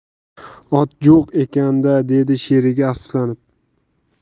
ot jo'q ekan da dedi sherigi afsuslanib